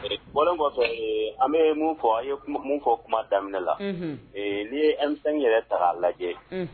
Bɔ kɔfɛ an bɛ fɔ fɔ tuma daminɛ na ni ye an yɛrɛ taga lajɛ